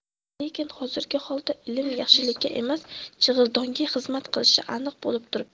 lekin hozirgi holda ilm yaxshilikka emas jig'ildonga xizmat qilishi aniq bo'lib turibdi